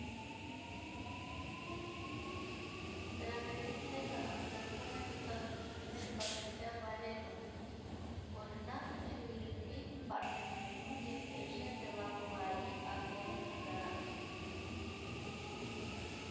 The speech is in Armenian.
Ծրագրերից մեկը ընդգրկում է ցուցադրություններ բացօթյա վայրերում, օրինակ՝ Թյուիլրի պարտեզներում և Էժեն Դելակրուայի ազգային թանգարանում։